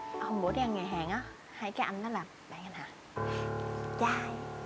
hôm bữa đi ăn nhà hàng hai cái anh đó là bạn hả đẹp trai